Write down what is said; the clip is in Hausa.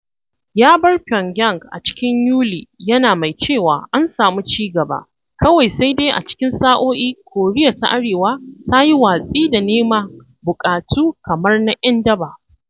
Ya bar Pyongyang a cikin Yuli yana mai cewa an samu ci gaba, kawai sai dai a cikin sa’o’i Koriya ta Arewa ta yi watsi da neman “buƙatu kamar na 'yan daba.”